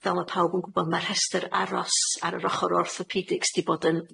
fel ma' pawb yn gwbo, ma' rhestr aros ar yr ochor orthopedics 'di bod yn